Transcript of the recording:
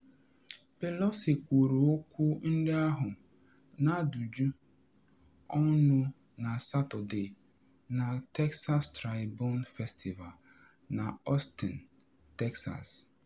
Pelosi kwuru okwu ndị ahụ n’ajụjụ ọnụ na Satọde na Texas Tribune Festival na Austin, Texas.